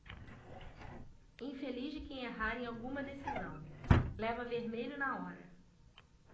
infeliz de quem errar em alguma decisão leva vermelho na hora